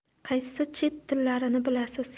qaysi chet tillarini bilasiz